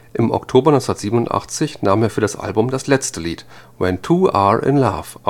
Im Oktober 1987 nahm er für das Album als letztes Lied When 2 R in Love